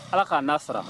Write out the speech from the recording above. Ala k'a n'a sara ma